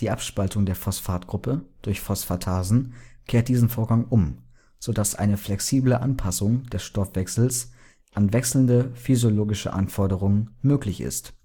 Abspaltung der Phosphatgruppe durch Phosphatasen kehrt diesen Vorgang um, so dass eine flexible Anpassung des Stoffwechsels an wechselnde physiologische Anforderungen möglich ist